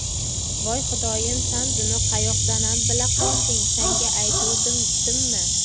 voy xudoyim san buni qayoqdanam bila qolding sanga aytuvdimmi